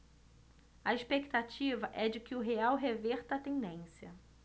a expectativa é de que o real reverta a tendência